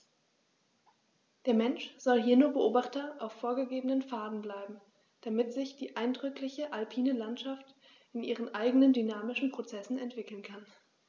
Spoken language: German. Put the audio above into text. Der Mensch soll hier nur Beobachter auf vorgegebenen Pfaden bleiben, damit sich die eindrückliche alpine Landschaft in ihren eigenen dynamischen Prozessen entwickeln kann.